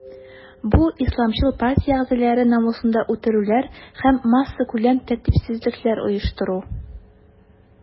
Бу исламчыл партия әгъзалары намусында үтерүләр һәм массакүләм тәртипсезлекләр оештыру.